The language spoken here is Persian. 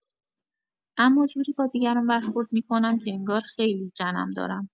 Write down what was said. اما جوری با دیگران برخورد می‌کنم که انگار خیلی جنم دارم.